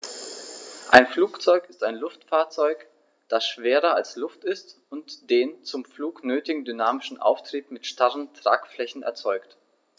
Ein Flugzeug ist ein Luftfahrzeug, das schwerer als Luft ist und den zum Flug nötigen dynamischen Auftrieb mit starren Tragflächen erzeugt.